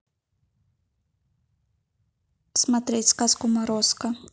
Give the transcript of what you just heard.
смотреть сказку морозко